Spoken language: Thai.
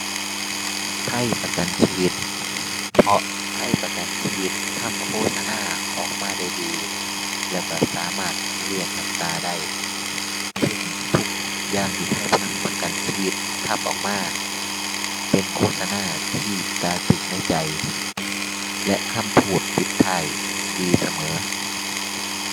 ไทยประกันชีวิต เพราะไทยประกันชีวิตทำโฆษณาออกมาได้ดี แล้วก็สามารถเรียกน้ำตาได้ ซึ่งทุกอย่างที่ไทยทำ ประกันชีวิตทำออกมา เป็นโฆษณาที่ตราตรึงในใจและคำพูดปิดท้ายดีเสมอ